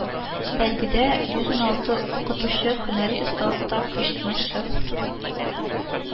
Бәйгедә йөз уналты укытучы һөнәри осталыкта көч сынашты